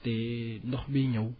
te ndox biy ñëw